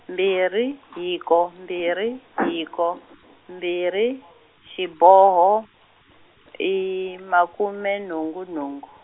mbirhi hiko mbirhi hiko mbirhi, xiboho, makume nhungu nhungu.